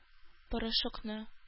Порошокны